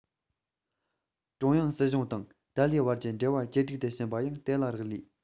ཀྲུང དབྱང སྲིད གཞུང དང ཏཱ ལའི བར གྱི འབྲེལ བ ཇེ སྡུག ཏུ ཕྱིན པ ཡང དེ ལ རག ལས